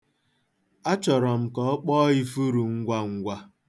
Achọrọ m ka ọ kpọọ ifuru ngwa ngwa.